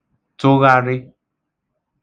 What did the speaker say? tụgharị